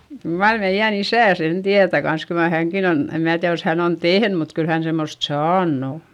kyllä mar meidän isä sen tietää kanssa kyllä mar hänkin on en minä tiedä jos hän on tehnyt mutta kyllä hän semmoista saanut on